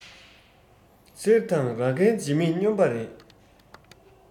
གསེར དང རག གན བརྗེ མི སྨྱོན པ རེད